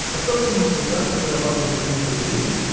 посторонними трудами зарабатываешь много денег